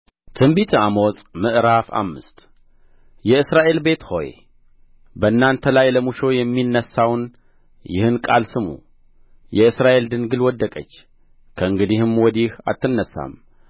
ትንቢተ አሞጽ ምዕራፍ አምስት የእስራኤል ቤት ሆይ በእናንተ ላይ ለሙሾ የማነሣውን ይህን ቃል ስሙ የእስራኤል ድንግል ወደቀች ከእንግዲህም ወዲህ አትነሣም